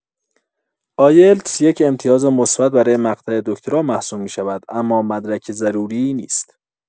آیلتس یک امتیاز مثبت برای مقطع دکتری محسوب می‌شود اما مدرک ضروری نیست.